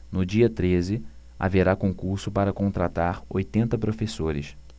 no dia treze haverá concurso para contratar oitenta professores